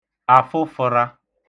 àfụfə̣̄rā